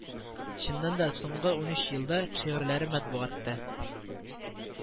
Чыннан да, соңгы унөч елда шигырьләре матбугатта